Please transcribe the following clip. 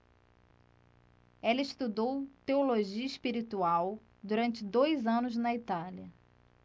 ela estudou teologia espiritual durante dois anos na itália